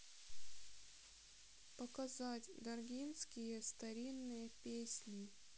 показать даргинские старинные песни